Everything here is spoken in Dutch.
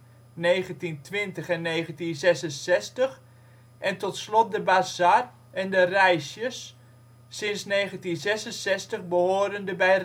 1896, 1920 en 1966) en tot slot de Bazar en de Rijsjes (sinds 1966 behorende bij Rijnsburg